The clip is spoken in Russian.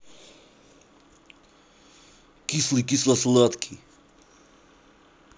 кислый кисло сладкий